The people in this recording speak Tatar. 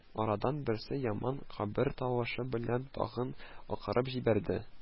Арадан берсе яман кабер тавышы белән тагын акырып җибәрде